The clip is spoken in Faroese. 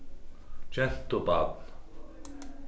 gentubarn